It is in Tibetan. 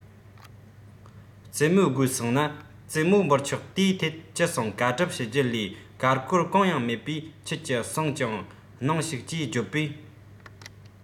ཙེ མོ དགོས གསུངས ན ཙེ མོ འབུལ ཆོག དེའི ཐད ཅི གསུངས བཀའ སྒྲུབ ཞུ རྒྱུ ལས ཀར ཀོར གང ཡང མེད པས ཁྱེད ཀྱི གསུང རྐྱང གནང ཞིག ཅེས བརྗོད པས